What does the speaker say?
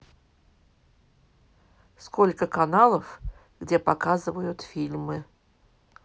сколько каналов где показывают фильмы